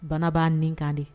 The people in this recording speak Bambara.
Bana bbaa nin kan de